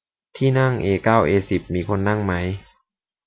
ที่นั่งเอเก้าเอสิบมีคนนั่งมั้ย